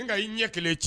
N ka'i ɲɛ kɛlɛ ci